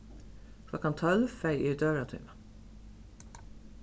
klokkan tólv fari eg í døgurðatíma